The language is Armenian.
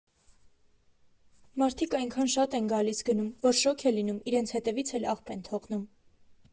Մարդիկ այնքան շատ են գալիս֊գնում, որ շոգ է լինում, իրենց հետևից էլ աղբ են թողնում։